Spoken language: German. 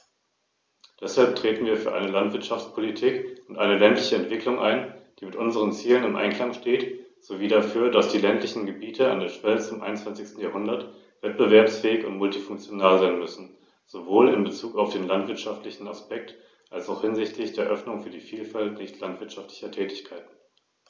Zu meiner Freude besteht auch mit dem Rat Übereinstimmung über Mindestanforderungen für deren Prüfung, obgleich ich mit dem Ziel international gleichwertiger Befähigungsnachweise einheitliche verbindliche Normen und Regelungen bevorzugt hätte.